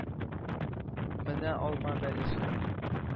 “менә алма бәлеше,